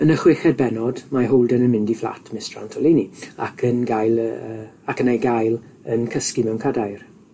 Yn y chweched bennod, mae Holden yn mynd i fflat Mistyr Antolini ac yn gael yy yy ac yn ei gael yn cysgu mewn cadair.